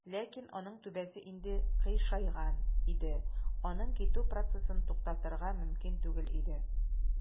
Ләкин аның түбәсе инде "кыйшайган" иде, аның китү процессын туктатырга мөмкин түгел иде.